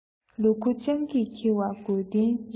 ལུ གུ སྤྱང ཀིས འཁྱེར བ དགོས བདེན རེད